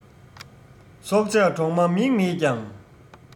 སྲོག ཆགས གྲོག མ མིག མེད ཀྱང